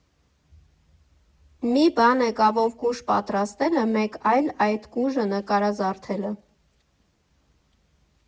Մի բան է կավով կուժ պատրաստելը, մեկ այլ՝ այդ կուժը նկարազարդելը։